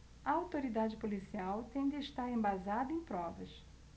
a autoridade policial tem de estar embasada em provas